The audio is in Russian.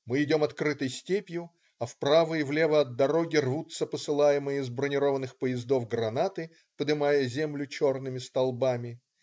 Мы идем открытой степью, а вправо и влево от дороги рвутся посылаемые с бронированных поездов гранаты, подымая землю черными столбами.